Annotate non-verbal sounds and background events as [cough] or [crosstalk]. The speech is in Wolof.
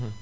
[hesitation] [hesitation]